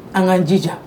An ka jija